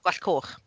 Gwallt coch.